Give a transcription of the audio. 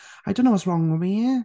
I don't know what's wrong with me.